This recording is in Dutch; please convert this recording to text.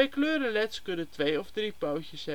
's kunnen twee of drie pootjes hebben